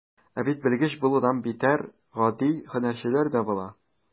Ә бит белгеч булудан битәр, гади һөнәрчеләр дә була.